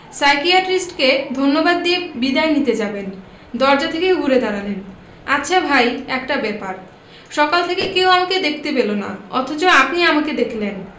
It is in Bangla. সাইকিয়াট্রিস্টকে ধন্যবাদ দিয়ে বিদায় নিতে যাবেন দরজা থেকে ঘুরে দাঁড়ালেন আচ্ছা ভাই একটা ব্যাপার সকাল থেকে কেউ আমাকে দেখতে পেল না অথচ আপনি আমাকে দেখলেন